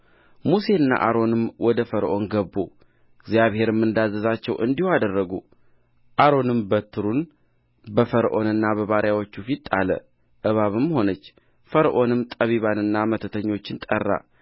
ሙሴና አሮንም ወደ ፈርዖን ገቡ እግዚአብሔርም እንዳዘዛቸው እንዲሁ አደረጉ አሮንም በትሩን በፈርዖንና በባሮቹ ፊት ጣለ እባብም ሆነች ፈርዖንም ጠቢባንንና መተተኞችን ጠራ